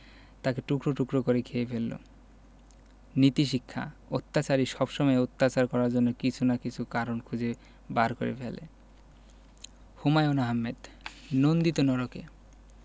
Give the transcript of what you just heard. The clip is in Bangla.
তাকে টুকরো টুকরো করে খেয়ে ফেলল নীতিশিক্ষাঃ অত্যাচারী সবসময়ই অত্যাচার করার জন্য কিছু না কিছু কারণ খুঁজে বার করে ফেলে হুমায়ুন আহমেদ নন্দিত নরকে